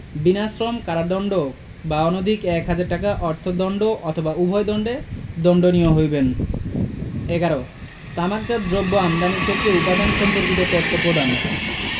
বিনাশ্রম কারাদন্ড বা অনধিক এক হাজার টাকা অর্থ দন্ড অথবা উভয় দণ্ডে দন্ডনীয় হইবেন ১১ তামাকজাত দ্রব্য আমদানির ক্ষেত্রে উপাদান সম্পর্কিত তথ্য প্রদান